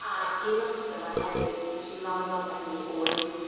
A un o'r resyma' hefyd nesh i wrando arna hi oedd